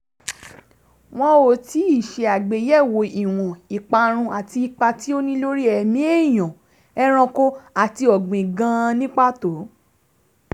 Wọn ò tíì ṣe àgbéyẹ̀wò ìwọ̀n ìparun àti ipa tí ó ní lórí ẹ̀mí èèyàn, ẹranko àti ọ̀gbìn gan ní pàtó.